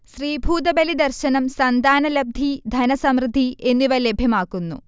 ശ്രീഭൂതബലി ദർശനം സന്താനലബ്ധി, ധനസമൃദ്ധി എന്നിവ ലഭ്യമാക്കുന്നു